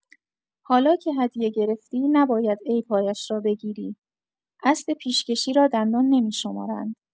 حالا که هدیه گرفتی، نباید عیب‌هایش را بگیری، اسب پیش‌کشی را دندان نمی‌شمارند.